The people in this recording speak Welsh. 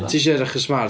Ti isio edrych yn smart.